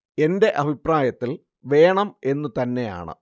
എന്റെ അഭിപ്രായത്തിൽ വേണം എന്നു തന്നെയാണ്